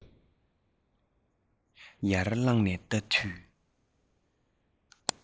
ཡར བླངས ནས ལྟ དུས